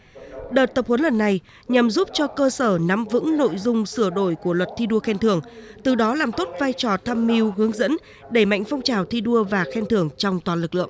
đợt tập huấn lần này nhằm giúp cho cơ sở nắm vững nội dung sửa đổi của luật thi đua khen thưởng từ đó làm tốt vai trò tham mưu hướng dẫn đẩy mạnh phong trào thi đua và khen thưởng trong toàn lực lượng